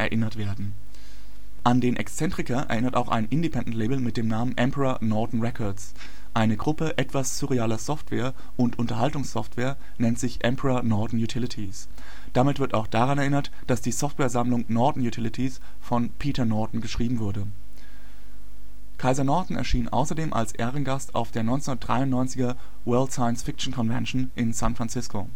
erinnert werden. An den Exzentriker erinnert auch ein Independent-Label mit dem Namen emperor norton records. Eine Gruppe etwas surrealer Software und Unterhaltungssoftware nennt sich Emperor Norton Utilities. Damit wird auch daran erinnert, dass die Softwaresammlung Norton Utilities von Peter Norton geschrieben wurde. Kaiser Norton erschien außerdem als Ehrengast auf der 1993er „ World Science Fiction Convention “in San Francisco